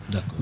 d' accord